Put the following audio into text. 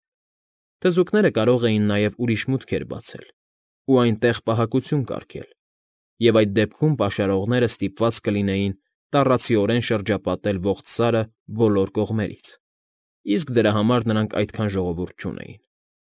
Թզուկները կարող էին նաև ուրիշ մուտքեր բացել ու այնտեղ պահակություն կարգել, և այդ դեպքում պաշարողները ստիպված կլինեին տառացիորեն շրջապատել ողջ Սարը բոլոր կողմերից, իսկ դրա համար նրանք այդքան ժողովուրդ չունեին։